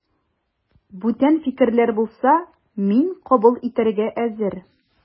Бүтән фикерләр булса, мин кабул итәргә әзер.